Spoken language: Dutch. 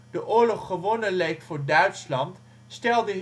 de oorlog gewonnen leek voor Duitsland, stelde